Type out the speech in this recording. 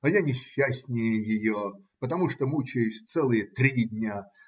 А я несчастнее ее, потому что мучаюсь целые три дня.